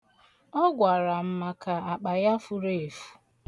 Ọ gwara m maka akpa ya furu efu.